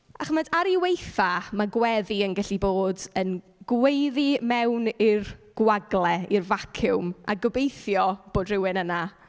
A chimod, ar ei waetha, ma' gweddi yn gallu bod yn gweiddi mewn i'r gwagle, i'r vacuum, a gobeithio bod rywun yna.